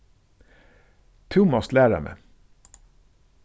tú mást læra meg